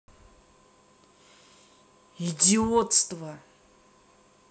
идиотство